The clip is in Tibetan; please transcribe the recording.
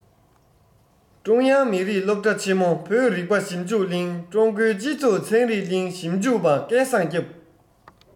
ཀྲུང དབྱང མི རིགས སློབ གྲྭ ཆེན མོ བོད རིག པ ཞིབ འཇུག གླིང ཀྲུང གོའི སྤྱི ཚོགས ཚན རིག གླིང ཞིབ འཇུག པ སྐལ བཟང སྐྱབས